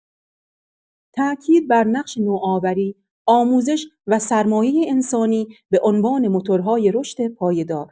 تأکید بر نقش نوآوری، آموزش و سرمایه انسانی به عنوان موتورهای رشد پایدار